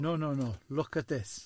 No, no, no, look at this.